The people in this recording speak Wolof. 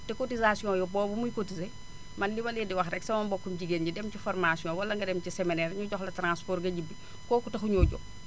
te cotisation boobu muy cotisé man li ma leen di wax rek sama mbokku jigéen ñi dem ci formation wala nga dem ci seminaire yi ñu jox la transport nga mutuelle :fraibbi kooku taxuñoo jóg